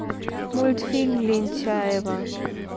мультфильм лентяево